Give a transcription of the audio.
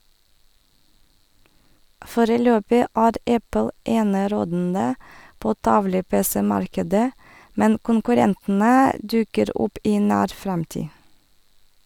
Foreløpig er Apple enerådende på tavle-pc-markedet, men konkurrentene dukker opp i nær fremtid.